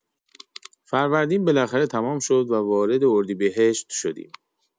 فروردین بالاخره تمام شد و وارد اردیبهشت شدیم.